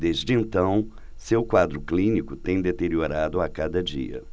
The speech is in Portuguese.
desde então seu quadro clínico tem deteriorado a cada dia